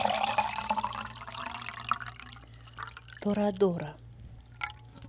торадора